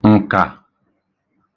ǹkà